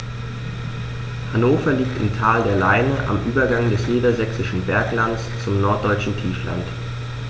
Hannover liegt im Tal der Leine am Übergang des Niedersächsischen Berglands zum Norddeutschen Tiefland.